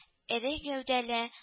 Эре гәүдәле